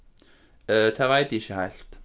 øh tað veit ikki heilt